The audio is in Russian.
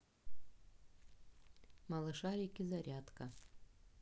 малышарики зарядка